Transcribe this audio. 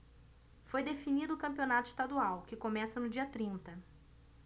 foi definido o campeonato estadual que começa no dia trinta